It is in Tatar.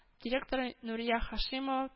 Директоры нурия хашимова